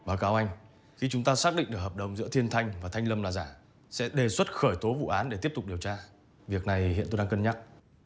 báo cáo anh khi chúng ta xác định được hợp đồng giữa thiên thanh và thanh lâm làm giả sẽ đề xuất khởi tố vụ án để tiếp tục điều tra việc này hiện tôi đang cân nhắc